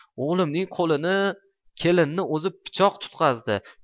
og'limning qo'liga kelinni o'zi pichoq tutqazdi